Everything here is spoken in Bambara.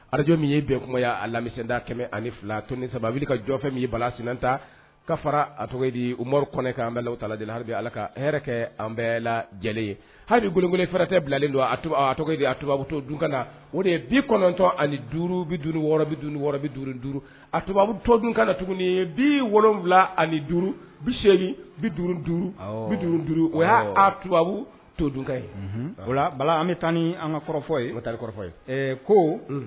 Araj min ye bɛn kumaya a lamida kɛmɛ ani fila ni sababili ka jɔfɛ min ye bala sinta ka fara a tɔgɔ diru kɔnɔan bɛ tala hadu ala ka an bɛɛ lajɛlen ye halidu g fɛrɛtɛ bilalen don a a tubu to dunkan na o de ye bi kɔnɔntɔn ani duuru bi duuru wɔɔrɔ dun duuru duuru a tubabubu to dunkan na tuguni ye bi wolowula ani duuru bi se bi duuru duuru bi duuru o tubabubu to dunka ye wala bala an bɛ taa ni an ka kɔrɔfɔ ye o taali kɔrɔfɔ ye ɛɛ ko